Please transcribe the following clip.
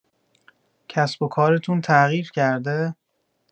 کسب و کارتون تغییر کرده؟